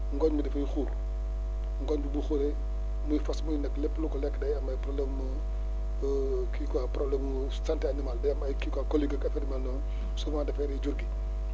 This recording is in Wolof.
ngooñ mi dafay xuur ngooñ bi bu xuuree muy fasx muy nag lépp lu ko lekk day am ay problèmes kii quoi problèmes mu santé animale day am ay kii quoi colite ak affaire yu mel noonu souvent dafay rey jur gi